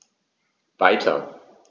Weiter.